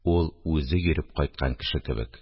Ул, үзе йөреп кайткан кеше кебек